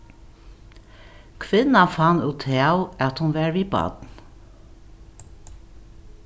kvinnan fann útav at hon var við barn